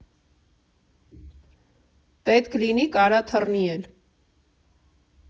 Պետք լինի՝ կարա թռնի էլ։